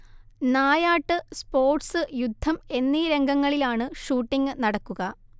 നായാട്ട്, sports, യുദ്ധം എന്നീ രംഗങ്ങളിലാണ് ഷൂട്ടിംഗ് നടക്കുക